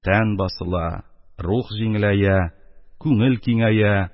Тән басыла, рух җиңеләя, күңел киңәя,